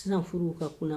Sisan furu ka kunna